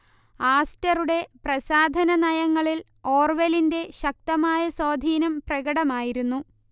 ആസ്റ്ററുടെ പ്രസാധനനയങ്ങളിൽ ഓർവെലിന്റെ ശക്തമായ സ്വാധീനം പ്രകടമായിരുന്നു